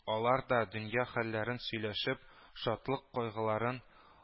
Алар да дөнья хәлләрен сөйләшеп, шатлык-кайгыларын